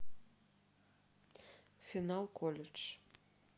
final колледж